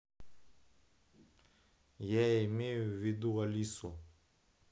я имею ввиду алису